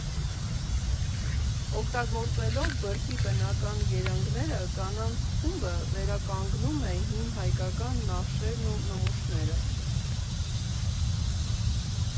Օգտագործելով բրդի բնական երանգները՝ կանանց խումբը վերականգնում է հին հայկական նախշերն ու նմուշները։